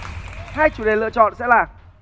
hai chủ đề lựa chọn sẽ là